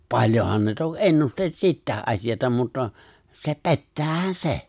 paljonhan ne toki ennusteli sitäkin asiaa mutta se pettäähän se